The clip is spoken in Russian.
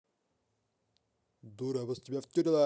дура я просто в тебя втюрилась